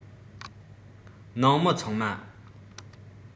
ནང མི ཚང མ